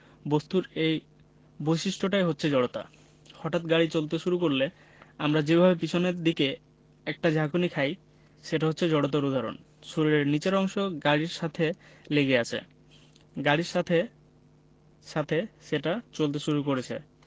বস্তুর এই বৈশিষ্ট্যটাই হচ্ছে জড়তা হঠাৎ গাড়ি চলতে শুরু করলে আমরা যেভাবে পেছনের দিকে একটা ঝাঁকুনি খাই সেটা হচ্ছে জড়তার উদাহরণ শরীরের নিচের অংশ গাড়ির সাথে লেগে আছে গাড়ির সাথে সাথে সেটা চলতে শুরু করেছে